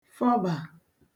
fọbà